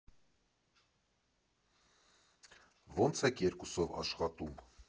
Ո՞նց եք երկուսով աշխատում։